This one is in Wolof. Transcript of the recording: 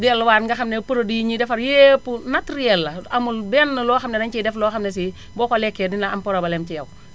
delluwaat nga xam ne produit yi ñuy defar yépp matériel la amul benn loo xam ne dañu ciy def loo xam ne si boo ko lekkee dina am problème ci yow